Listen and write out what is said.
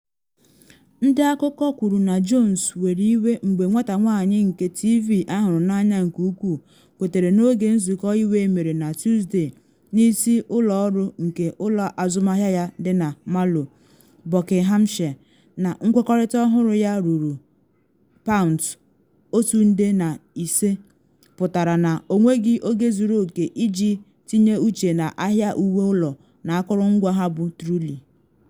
Ndị akụkọ kwuru na Jones were ‘iwe’ mgbe nwata nwanyị nke TV ahụrụ n’anya nke ukwuu kwetere n’oge nzụkọ iwe emere na Tuesday n’isi ụlọ ọrụ nke ụlọ azụmahịa ya dị na Marlow, Buckinghamshire, na nkwekọrịta ọhụrụ ya - ruru £1.5 million - pụtara na ọ nweghịzị oge zuru oke iji tinye uche na ahịa uwe ụlọ na akụrụngwa ha bụ Truly.